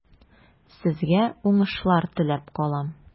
Сезгә уңышлар теләп калам.